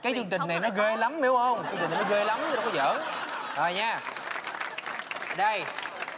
cái chương trình này nó ghê lắm hiểu hông này nó ghê lắm nó không có giỡn rồi nha đây